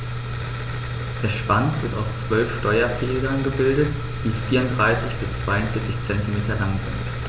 Der Schwanz wird aus 12 Steuerfedern gebildet, die 34 bis 42 cm lang sind.